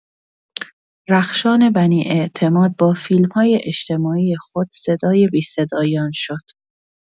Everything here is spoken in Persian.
رخشان بنی‌اعتماد با فیلم‌های اجتماعی خود صدای بی‌صدایان شد.